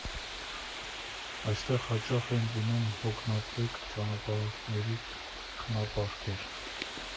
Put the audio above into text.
Այստեղ հաճախ էին լինում հոգնաբեկ ճանապարհորդների քնապարկեր։